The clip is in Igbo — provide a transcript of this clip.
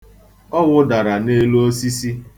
Ọ wụdara n'elu osisi.